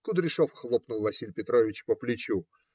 - Кудряшов хлопнул Василия Петровича по плечу.